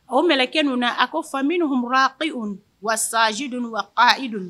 O mkɛ ninnu na a ko fan minnu wa ji don wa aa don